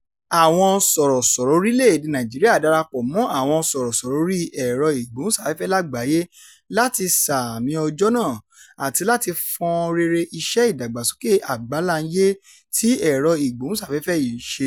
Àwọn sọ̀rọ̀sọ̀rọ̀-ọ orílẹ̀-èdèe Nàìjíríà darapọ̀ mọ́ àwọn sọ̀rọ̀sọ̀rọ̀ orí ẹ̀rọ-ìgbóhùnsáfẹ́fẹ́ lágbàáyé láti sààmì ọjọ́ náà àti láti fọn rere iṣẹ́ ìdàgbàsókè àgbà-ńlá ayé tí ẹ̀rọ-ìgbóhùnsáfẹ́fẹ́ ń ṣe.